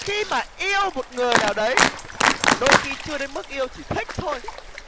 khi mà yêu một người nào đấy đôi khi chưa đến mức yêu chỉ thích thôi